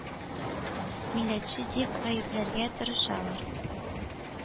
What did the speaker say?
Милләтче дип гаепләргә тырышалар.